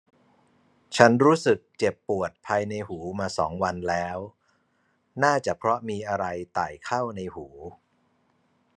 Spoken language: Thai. ฉันรู้สึกเจ็บปวดภายในหูมาสองวันแล้วน่าจะเพราะมีอะไรไต่เข้าในหู